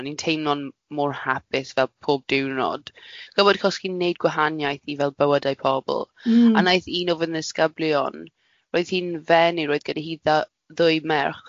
O'n i'n teimlo'n m- mor hapus, fel pob diwrnod gwbo'ch achos chi'n neud gwahaniaeth i fel bywydau pobl... Mm. ...a naeth un o fy nisgyblion, roedd hin beni roedd ganddi hi fel dwy ferch